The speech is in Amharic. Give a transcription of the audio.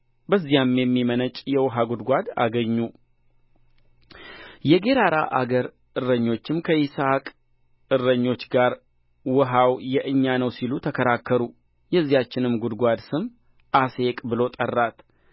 በዚያም የሚመነጭ የውኃ ጕድጓድ አገኙ የጌራራ አገር እረኞች ከይስሐቅ እረኞች ጋር ውኃው የእኛ ነው ሲሉ ተከራከሩ የዚያችንም ጕድጓድ ስም ኤሴቅ ብሎ ጠራት